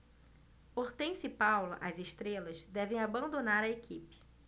hortência e paula as estrelas devem abandonar a equipe